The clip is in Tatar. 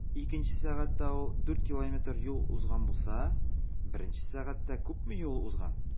Икенче сәгатьтә ул 4 км юл узган булса, беренче сәгатьтә күпме юл узган?